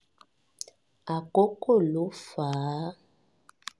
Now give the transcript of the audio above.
Àkókò ló fà á